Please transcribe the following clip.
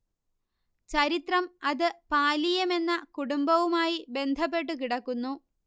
ചരിത്രം അത് പാലിയം എന്ന കുടുംബവുമായി ബന്ധപ്പെട്ടു കിടക്കുന്നു